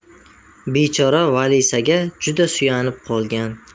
bechora valisiga juda suyanib qolgan